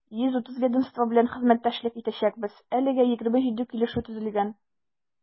130 ведомство белән хезмәттәшлек итәчәкбез, әлегә 27 килешү төзелгән.